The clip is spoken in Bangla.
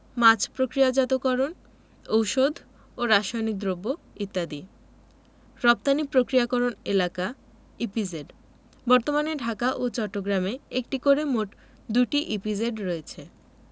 মাছ প্রক্রিয়াজাতকরণ ঔষধ ও রাসায়নিক দ্রব্য ইত্যাদি রপ্তানি প্রক্রিয়াকরণ এলাকাঃ ইপিজেড বর্তমানে ঢাকা ও চট্টগ্রামে একটি করে মোট ২টি ইপিজেড রয়েছে